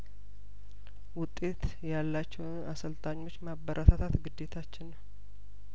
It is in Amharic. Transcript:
ውጤት ያላቸውን አሰልጣኞች ማበረታት ግዴታችን ነው